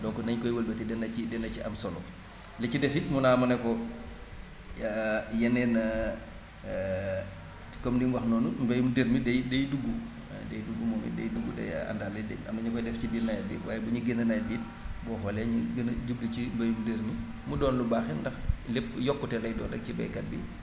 donc nañ koy wëlbati dana kii dana ci am solo li ci des it mu ne ah ma ne ko yeneen comme li mu wax noonu mbayum dër mi day day dugg waaw day dugg moom it day dugg day àndaale am na ñu koy def ci biir nawet bi waaye bu ñuy génn nawet bi it boo xoolee ñi gën a jublu ci mbayum dër mi mu doon lu baax it ndax lépp yokkute lay doon rekk ci baykat bi